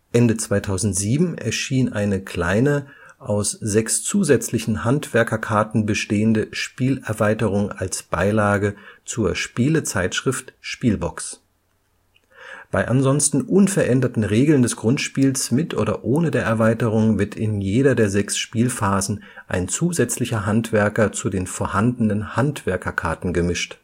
Ende 2007 erschien eine kleine – aus sechs zusätzlichen Handwerkerkarten bestehende – Spielerweiterung als Beilage zur Spielezeitschrift Spielbox. Bei ansonsten unveränderten Regeln des Grundspiels mit oder ohne der Erweiterung wird in jeder der sechs Spielphasen ein zusätzlicher Handwerker zu den vorhandenen Handwerkerkarten gemischt